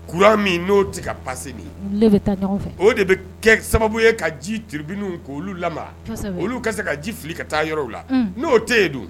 Kuran min no ti ka ye passé ni ye . Olu de bi kɛ sababu ye ka ji turbines ko olu lama olu ka se ka ji fili ka taa yɔrɔw la . No te yen dun?